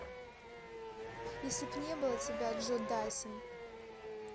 если б не было тебя джо дассен